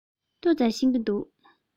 ཏོག ཙམ ཤེས ཀྱི འདུག